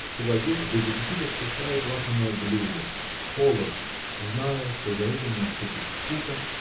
как человек без аппетита вкушает лакомое блюдо холодно зная что за этим наступит скука